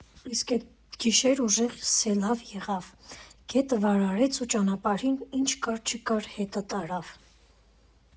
Իսկ էդ գիշեր ուժեղ սելավ եղավ, գետը վարարեց ու ճանապարհին ինչ կար֊չկար, հետը տարավ։